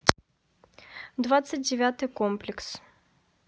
двадцать девятый комплекс